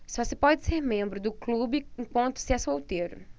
só se pode ser membro do clube enquanto se é solteiro